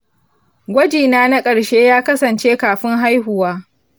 gwajina na ƙarshe ya kasance kafin haihuwa.